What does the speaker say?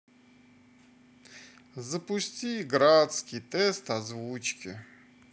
запусти грацкий тест озвучки